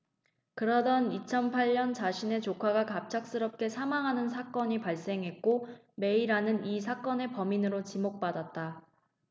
그러던 이천 팔 년 자신의 조카가 갑작스럽게 사망하는 사건이 발생했고 메이라는 이 사건의 범인으로 지목받았다